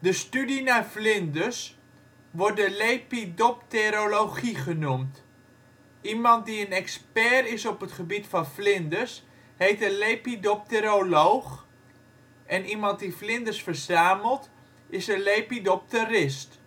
studie naar vlinders wordt de lepidopterologie genoemd. Iemand die een expert is op het gebied van vlinders heet een lepidopteroloog en iemand die vlinders verzamelt is een lepidopterist